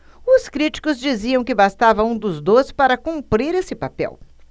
os críticos diziam que bastava um dos dois para cumprir esse papel